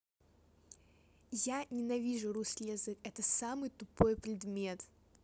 я ненавижу русский язык это самый тупой предмет